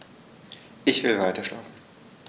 Ich will weiterschlafen.